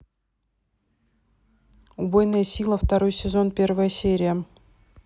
убойная сила второй сезон первая серия